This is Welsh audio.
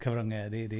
Cyfryngau, ydy ydy.